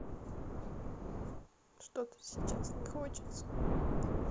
что то сейчас не хочется